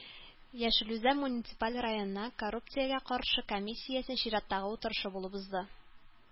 Яшел Үзән муниципаль районында коррупциягә каршы көрәш комиссиясенең чираттагы утырышы булып узды.